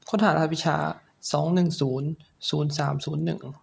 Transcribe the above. ค้นหารหัสวิชาสองหนึ่งศูนย์ศูนย์สามศูนย์หนึ่ง